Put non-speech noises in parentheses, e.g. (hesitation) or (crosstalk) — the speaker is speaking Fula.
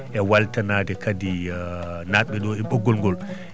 e weltanade kadi (hesitation) nanɓeɗe e ɓoggolngol